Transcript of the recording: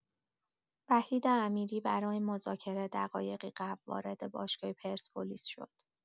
وحید امیری برای مذاکره دقایقی قبل وارد باشگاه پرسپولیس شد.